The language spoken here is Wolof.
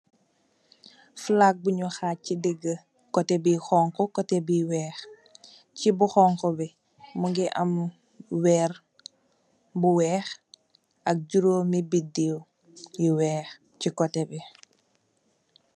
Flag bunu hang se dege koteh be xonxo koteh be weex che bu xonxo be muge am werr bu weex ak jurume bedew yu weex che koteh be.